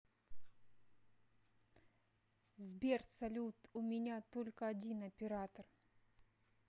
сбер салют у меня только один оператор